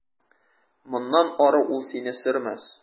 Моннан ары ул сине сөрмәс.